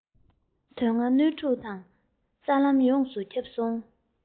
དོན ལྔ སྣོད དྲུག དང རྩ ལམ ཡོངས སུ ཁྱབ སོང